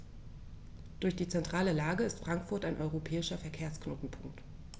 Durch die zentrale Lage ist Frankfurt ein europäischer Verkehrsknotenpunkt.